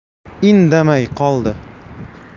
indamay qoldi